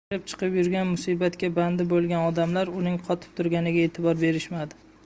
kirib chiqib yurgan musibatga bandi bo'lgan odamlar uning qotib turganiga e'tibor berishmadi